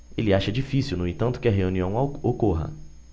ele acha difícil no entanto que a reunião ocorra